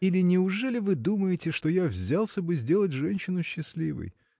или неужели вы думаете, что я взялся бы сделать женщину счастливой?